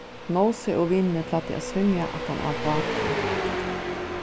nósi og vinirnir plagdu at svimja aftan á bátum